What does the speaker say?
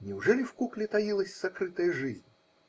Неужели в кукле таилась скрытая жизнь?